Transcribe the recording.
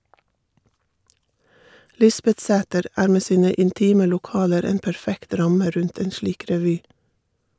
Lisbetsæter er med sine intime lokaler en perfekt ramme rundt en slik revy.